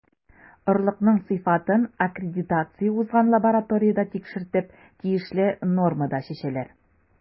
Орлыкның сыйфатын аккредитация узган лабораториядә тикшертеп, тиешле нормада чәчәләр.